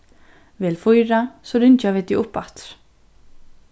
vel fýra so ringja vit teg uppaftur